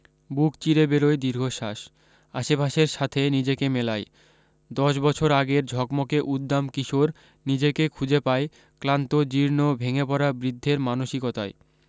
বুক চিরে বেরোয় দীর্ঘশ্বাস আশেপাশের সাথে নিজেকে মেলায় দশ বছর আগের ঝকমকে উদ্দাম কিশোর নিজেকে খুঁজে পায় ক্লান্ত জীর্ণ ভেঙেপড়া বৃদ্ধের মানসিকতায়